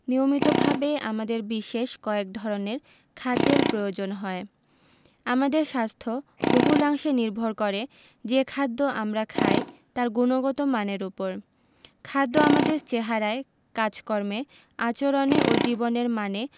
জন্য নিয়মিতভাবে আমাদের বিশেষ কয়েক ধরনের খাদ্যের প্রয়োজন হয় আমাদের স্বাস্থ্য বহুলাংশে নির্ভর করে যে খাদ্য আমরা খাই তার গুণগত মানের ওপর খাদ্য আমাদের চেহারায় কাজকর্মে আচরণে ও জীবনের মানে